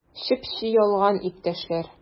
Чеп-чи ялган, иптәшләр!